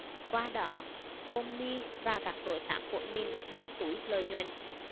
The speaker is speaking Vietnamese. qua đó tommy và các đối tác của mình bỏ túi lợi nhuận